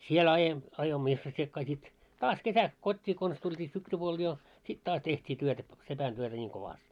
siellä - ajoimme isvossikkaa sitten taas kesäksi kotiin konsa tultiin syksypuolella jo sitten taas tehtiin työtä - sepän työtä niin kovasti